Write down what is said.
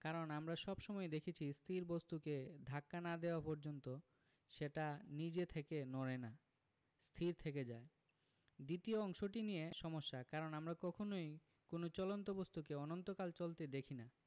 কারণ আমরা সব সময়ই দেখেছি স্থির বস্তুকে ধাক্কা না দেওয়া পর্যন্ত সেটা নিজে থেকে নড়ে না স্থির থেকে যায় দ্বিতীয় অংশটি নিয়ে সমস্যা কারণ আমরা কখনোই কোনো চলন্ত বস্তুকে অনন্তকাল চলতে দেখি না